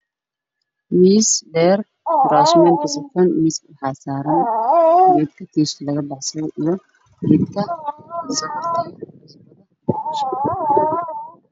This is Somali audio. Miis dheer kuraas ku hoos jiraan